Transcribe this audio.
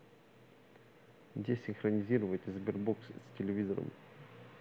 как синхронизировать sberbox с телевизором